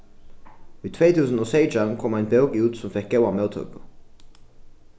í tvey túsund og seytjan kom ein bók út sum fekk góða móttøku